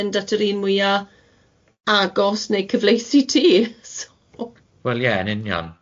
mynd at yr un mwya agos neu cyfleus i ti, so. Wel ie yn union.